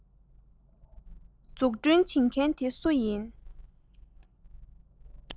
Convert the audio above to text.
འཛུགས སྐྲུན བྱེད མཁན དེ སུ ཡིན